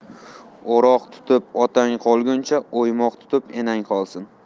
o'roq tutib otang qolguncha o'ymoq tutib enang qolsin